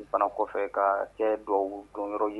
Fana kɔfɛ ka cɛ dɔw dɔn yɔrɔ ye